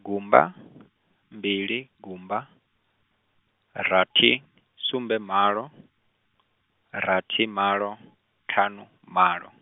gumba , mbili gumba, rathi, sumbe malo, rathi malo, ṱhanu, malo.